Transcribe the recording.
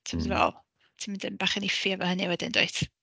Tibod be dw i feddwl? Ti mynd bach yn iffy efo hynny wedyn, dwyt.